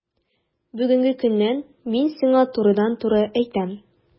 Бүгенге көннән мин сиңа турыдан-туры әйтәм: